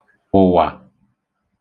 ụ̀wà